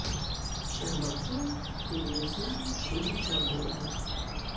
щербаков перелезаем через заборы